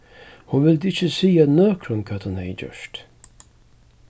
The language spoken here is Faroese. hon vildi ikki siga nøkrum hvat hon hevði gjørt